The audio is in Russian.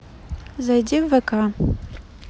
зайди вк